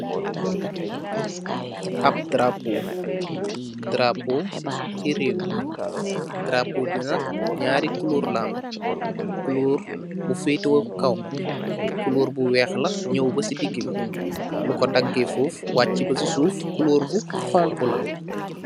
Ap darapóó yi rew, darapóó bi nak ñaari kulor la am, kulor bu fèètu kaw, kulor bu wèèx la ñaw ba ci digibi luko daggèè foffu wacci bacci suuf kulor bu xonxu la.